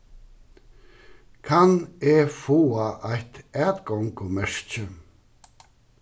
kann eg fáa eitt atgongumerki